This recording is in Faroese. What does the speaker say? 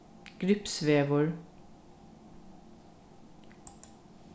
gripsvegur